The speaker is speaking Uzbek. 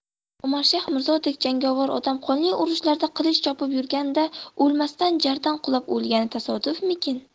umarshayx mirzodek jangovar odam qonli urushlarda qilich chopib yurganda o'lmasdan jardan qulab o'lgani tasodifmikin